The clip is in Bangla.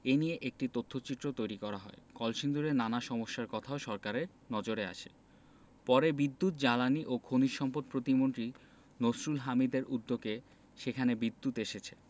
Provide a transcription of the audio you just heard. নিয়ে একটি তথ্যচিত্রও তৈরি করা হয় কলসিন্দুরের নানা সমস্যার কথাও সরকারের নজরে আসে পরে বিদ্যুৎ জ্বালানি ও খনিজ সম্পদ প্রতিমন্ত্রী নসরুল হামিদদের উদ্যোগে সেখানে বিদ্যুৎ এসেছে